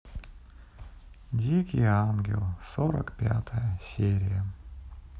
дикий ангел сорок пятая серия